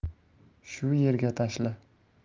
shu yerga tashla